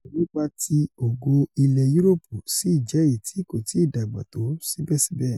Ọ̀rọ̀ nípa ti ògo ilẹ̀ Yuroopù sì jẹ́ èyití kòtìí dàgbà tó síbẹ̀síbẹ̀.